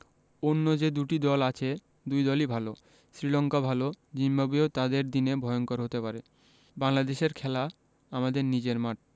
অন্য যে দুটি দল আছে দুই দলই ভালো শ্রীলঙ্কা ভালো জিম্বাবুয়েও তাদের দিনে ভয়ংকর হতে পারে বাংলাদেশের খেলা আমাদের নিজের মাঠ